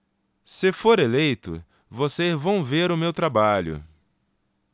se for eleito vocês vão ver o meu trabalho